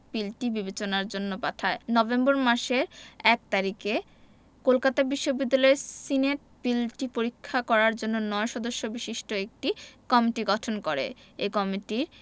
বিলটি বিবেচনার জন্য পাঠায় নভেম্বর মাসের ১ তারিখে কলকাতা বিশ্ববিদ্যালয় সিনেট বিলটি পরীক্ষা করার জন্য ৯ সদস্য বিশিষ্ট একটি কমিটি গঠন করে এই কমিটির